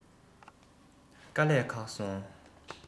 དཀའ ལས ཁག སོང